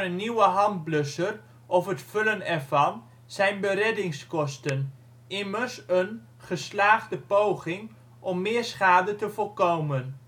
nieuwe handblusser (of het vullen ervan) zijn bereddingskosten. Immers: een (geslaagde) poging om meer schade te voorkomen